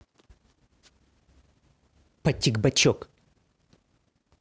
потик бочок